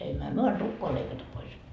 emmehän me anna tukkaa leikata pois